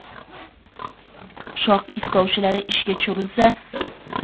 shoh iskovuchlari ishga tushirilsa